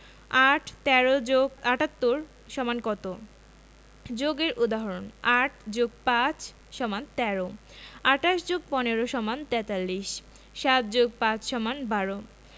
৮ ১৩ + ৭৮ = কত যোগের উদাহরণঃ ৮ + ৫ = ১৩ ২৮ + ১৫ = ৪৩ ৭+৫ = ১২